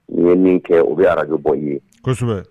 N ye min kɛ u bɛ ara bɔ i ye kosɛbɛ